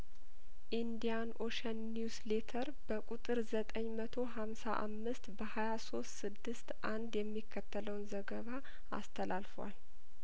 ኢንዲያን ኦሸን ኒውስ ሌተር በቁጥር ዘጠኝ መቶ ሀምሳ አምስት በሀያ ሶስት ስድስት አንድ የሚከተለውን ዘገባ አስተላልፏል